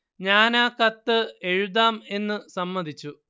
ഞാൻ ആ കത്ത് എഴുതാം എന്ന് സമ്മതിച്ചു